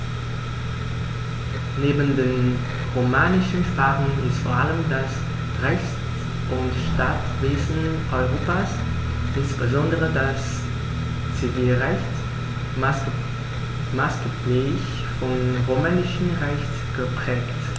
Neben den romanischen Sprachen ist vor allem das Rechts- und Staatswesen Europas, insbesondere das Zivilrecht, maßgeblich vom Römischen Recht geprägt.